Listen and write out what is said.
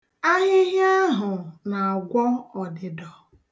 Ahịhịa ahụ na-agwọ ọdịdọ.